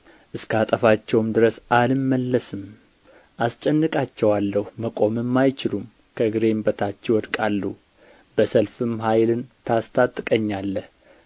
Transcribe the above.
እስካጠፋቸውም ድረስ አልመለስም አስጨንቃቸዋለሁ መቆምም አይችሉም ከእግሬም በታች ይወድቃሉ ለሰልፍም ኃይልን ታስታጥቀኛለህ